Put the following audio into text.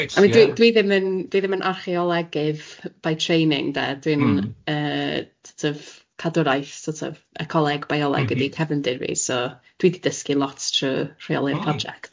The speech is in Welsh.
Reit, ia. Dwi dwi ddim yn dwi ddim yn archaeolegydd by training de... M-hm. ...dwi'n yy sort of cadwraeth sort of ecoleg, bioleg ydy cefndir fi so dwi di dysgu lot trwy rheoli'r project. Oh.